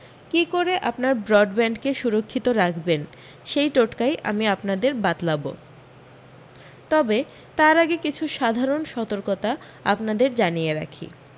কী করে আপনার ব্রডব্যাণ্ডকে সুরক্ষিত রাখবেন সেই টোটকাই আমি আপনাদের বাতলাব তবে তার আগে কিছু সাধারণ সতর্কতা আপনাদের জানিয়ে রাখি